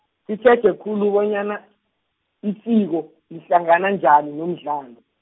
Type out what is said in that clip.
sitjheje khulu bonyana, isiko, lihlangana njani nomdlalo.